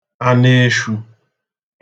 anə̣eshū